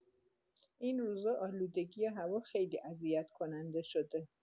این روزا آلودگی هوا خیلی اذیت‌کننده شده.